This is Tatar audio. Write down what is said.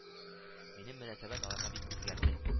Минем мөнәсәбәт аларга бик узгәрде